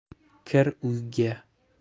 kir uyga